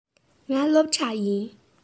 ང སློབ ཕྲུག ཡིན